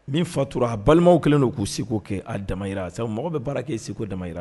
Min fatura a balimaw kɛlen don k'u segu kɛ a damara sa mɔgɔ bɛ baara k kɛ segu damara